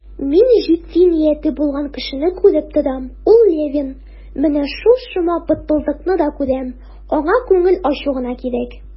Мин җитди нияте булган кешене күреп торам, ул Левин; менә шул шома бытбылдыкны да күрәм, аңа күңел ачу гына кирәк.